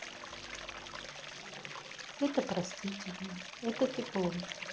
это просительно это тепло